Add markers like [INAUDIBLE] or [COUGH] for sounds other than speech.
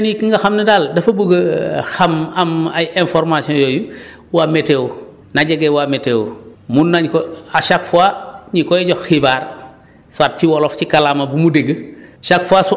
donc ñeneen ñi ki nga xam ne daal dafa bëgg [HESITATION] xam am ay informations yooyu [BREATH] waa météo na jege waa météo mun nañ ko à chaque fois ñu koy jox xibaar soit ci wolof ci kàllaama bu mu dégg